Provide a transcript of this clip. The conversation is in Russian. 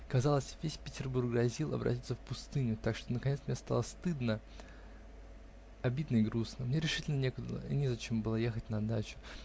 казалось, весь Петербург грозил обратиться в пустыню, так что наконец мне стало стыдно, обидно и грустно: мне решительно некуда и незачем было ехать на дачу.